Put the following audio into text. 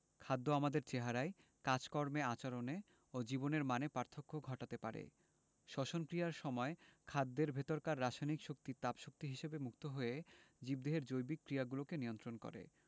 খাদ্য আমাদের চেহারায় কাজকর্মে আচরণে ও জীবনের মানে পার্থক্য ঘটাতে পারে শ্বসন ক্রিয়ার সময় খাদ্যের ভেতরকার রাসায়নিক শক্তি তাপ শক্তি হিসেবে মুক্ত হয়ে জীবদেহের জৈবিক ক্রিয়াগুলোকে নিয়ন্ত্রন করে